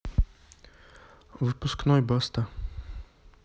выпускной баста